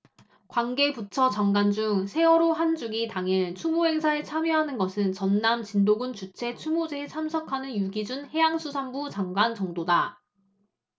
관계 부처 장관 중 세월호 한 주기 당일 추모 행사에 참여하는 것은 전남 진도군 주최 추모제에 참석하는 유기준 해양수산부 장관 정도다